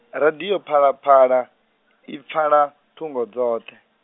radio Phalaphala, ipfala, thungo dzoṱhe.